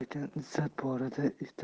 lekin izzat borida